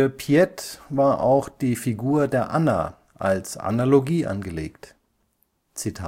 Piette war auch die Figur der Anna als Analogie angelegt: „ Im